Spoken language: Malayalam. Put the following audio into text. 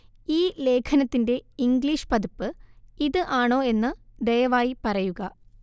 ഈ ലേഖനത്തിന്റെ ഇംഗ്ലീഷ് പതിപ്പ് ഇത് ആണോ എന്ന് ദയവായി പറയുക